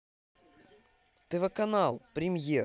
тв канал премьер